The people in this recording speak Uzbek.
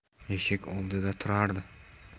eshik oldida turardi